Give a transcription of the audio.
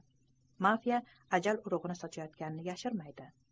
mafiya ajal urug'ini sochayotganini yashirmaydi